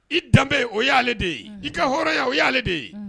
I danbe o y'ale de ye i ka hɔrɔnya o y'ale de ye